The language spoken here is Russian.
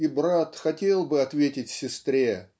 и брат хотел бы ответить сестре